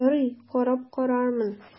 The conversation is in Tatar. Ярый, карап карармын...